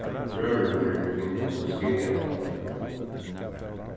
brøðurnir fingu nú skaðan afturbøttan